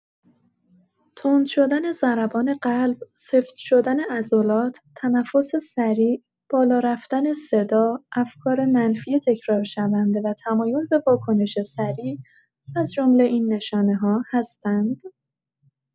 تند شدن ضربان قلب، سفت شدن عضلات، تنفس سریع، بالا رفتن صدا، افکار منفی تکرارشونده و تمایل به واکنش سریع از جمله این نشانه‌ها هستند.